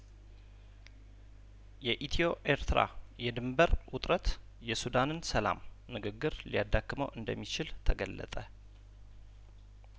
የኢትዮ ኤርትራ የድንበር ውጥረት የሱዳንን ሰላምንግግር ሊያዳክመው እንደሚችል ተገለጠ